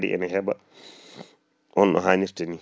donc non wasa wade no fonno wade ni